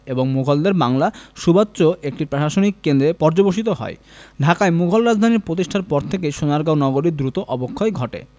এবং মুগলদের বাংলা সুবাহ্র একটি প্রশাসনিক কেন্দ্রে পর্যবসিত হয় ঢাকায় মুগল রাজধানী প্রতিষ্ঠার পর থেকেই সোনারগাঁও নগরীর দ্রুত অবক্ষয় ঘটে